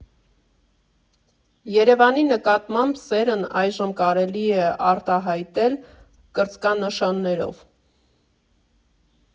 Երևանի նկատմամբ սերն այժմ կարելի է արտահայտել կրծքանշաններով.